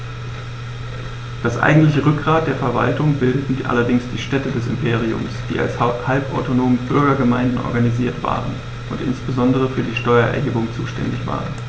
Das eigentliche Rückgrat der Verwaltung bildeten allerdings die Städte des Imperiums, die als halbautonome Bürgergemeinden organisiert waren und insbesondere für die Steuererhebung zuständig waren.